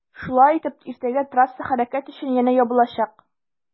Шулай итеп иртәгә трасса хәрәкәт өчен янә ябылачак.